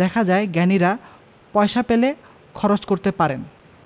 দেখা যায় জ্ঞানীরা পয়সা পেলে খরচ করতে পারেন